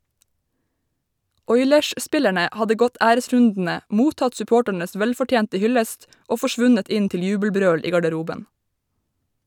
Oilers-spillerne hadde gått æresrundene, mottatt supporternes velfortjente hyllest og forsvunnet inn til jubelbrøl i garderoben.